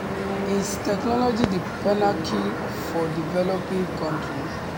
Is technology the panacea for developing countries?